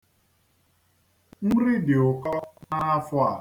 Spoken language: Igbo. Nri dị ụkọ n'afọ a.